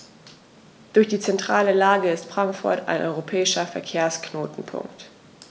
Durch die zentrale Lage ist Frankfurt ein europäischer Verkehrsknotenpunkt.